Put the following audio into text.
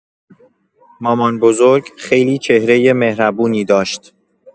مامان‌بزرگ خیلی چهرۀ مهربونی داشت.